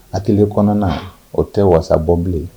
Hakili hakili kɔnɔna na o tɛ walasa bɔ bilen